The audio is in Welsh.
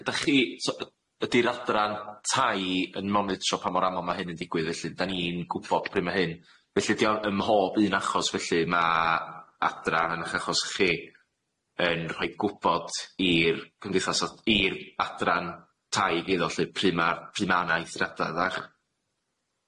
Ydach chi so yy ydi'r adran tai yn monitro pa mor amal ma' hyn yn digwydd felly ydan ni'n gwbod pryma hyn felly ydi o ym mhob un achos felly ma' adran a'ch achos chi, yn rhoi gwbod i'r cymdeithas o- i'r adran tai eiddo felly pry ma'r pry mana eithriada d'ach?